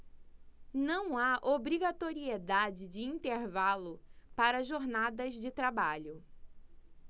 não há obrigatoriedade de intervalo para jornadas de trabalho